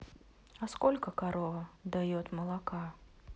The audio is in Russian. а сколько корова дает молока